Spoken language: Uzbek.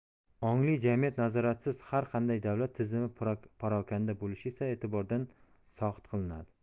ongli jamiyat nazoratisiz har qanday davlat tizimi parokanda bo'lishi esa e'tibordan soqit qilinadi